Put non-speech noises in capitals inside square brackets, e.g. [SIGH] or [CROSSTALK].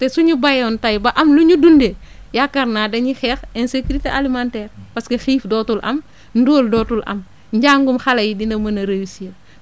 te su ñu béyoon tey ba am lu ñu dundee yaakaar naa dañuy xeex insécurité [NOISE] alimentaire parce que xiif dootul am [BREATH] ndóol dootul am njàngu xale yi dina mën a réussir